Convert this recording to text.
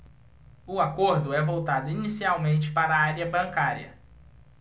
o acordo é voltado inicialmente para a área bancária